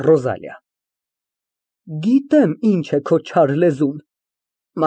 ՌՈԶԱԼԻԱ ֊ Գիտեմ, ինչ է քո չար լեզուն։